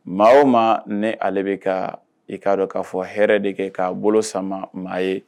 Maa o maa ni ale bɛ kaa i k'a dɔn k'a fɔ hɛrɛ de kɛ k'a bolo sama maa ye